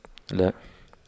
لا